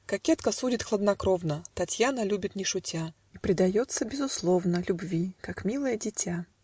Кокетка судит хладнокровно, Татьяна любит не шутя И предается безусловно Любви, как милое дитя.